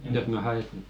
jos minä haen sen